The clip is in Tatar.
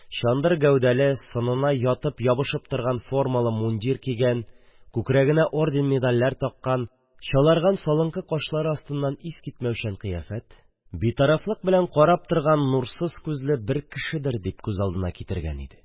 Чандыр гәүдәле, сынына ятып-ябышып торган формалы мундир кигән, күкрәгенә орден-медальләр таккан, чаларган салынкы кашлары астыннан искитмәүчән кыяфәт, битарафлык белән карап торучы нурсыз күзле бер кешедер дип күз алдына китергән иде.